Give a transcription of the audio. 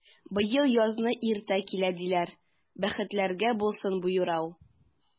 Быел язны иртә килә, диләр, бәхетләргә булсын бу юрау!